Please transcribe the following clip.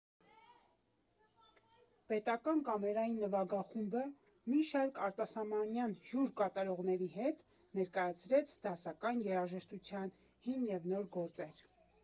Պետական Կամերային նվագախումբը մի շարք արտասահմանյան հյուր կատարողների հետ ներկայացրեց դասական երաժշտության հին և նոր գործեր։